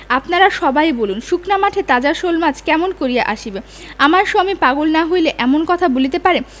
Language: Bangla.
আপনারা সবাই বলুন শুকনা মাঠে তাজা শোলমাছ কেমন করিয়া আসিবে আমার সোয়ামী পাগল না হইলে এমন কথা বলিতে পারে